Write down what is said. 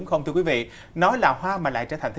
không quý vị nó là hoa mà lại trở thành